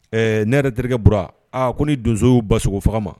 Ɛɛ ne yɛrɛ terikɛ Bura, a ko ni donsow y'u ban sogo faga ma